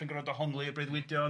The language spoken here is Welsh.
yn gwrando hongli i'r breuddwydion.